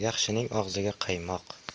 yaxshining og'ziga qaymoq